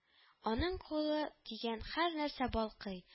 Аның кулы тигән һәр нәрсә балкый